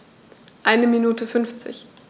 Eine Minute 50